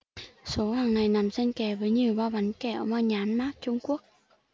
số hàng này nằm xem kẽ với nhiều bao bánh kẹo mang nhãn mác trung quốc